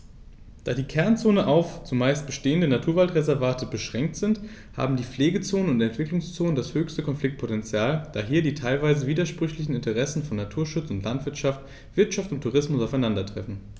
Da die Kernzonen auf – zumeist bestehende – Naturwaldreservate beschränkt sind, haben die Pflegezonen und Entwicklungszonen das höchste Konfliktpotential, da hier die teilweise widersprüchlichen Interessen von Naturschutz und Landwirtschaft, Wirtschaft und Tourismus aufeinandertreffen.